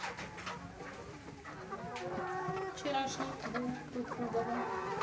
вчерашний бой тухугова